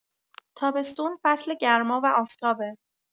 تابستون فصل گرما و آفتابه.